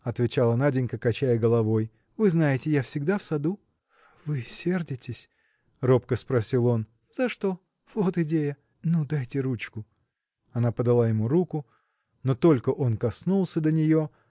– отвечала Наденька, качая головой, – вы знаете, я всегда в саду. – Вы сердитесь? – робко спросил он. – За что? вот идея! – Ну дайте ручку. Она подала ему руку но только он коснулся до нее